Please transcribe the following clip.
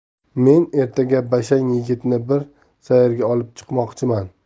men ertaga bashang yigitni bir sayrga olib chiqmoqchiman